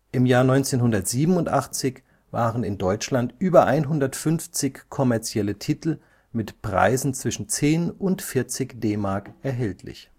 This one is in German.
1987 waren in Deutschland über 150 kommerzielle Titel mit Preisen zwischen 10 und 40 DM erhältlich